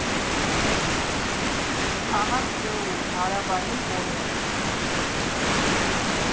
Քաղաք՝ Սեուլ, Հարավային Կորեա։